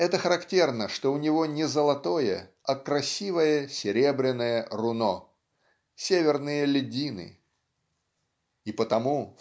Это характерно, что у него не золотое, а красивое серебряное руно северные льдины. И потому